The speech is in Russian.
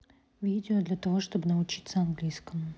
видео для того чтобы научиться английскому